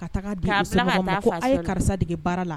Kataga di o somɔgɔw ma ko a ye karisa dege baara la.